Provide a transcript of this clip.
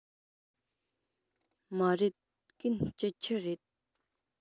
མ རེད གན སྐྱིད ཆུ རེད